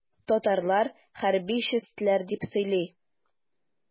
Татарлар хәрби чәстләр дип сөйли.